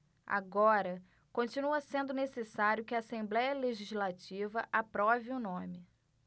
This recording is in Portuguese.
agora continua sendo necessário que a assembléia legislativa aprove o nome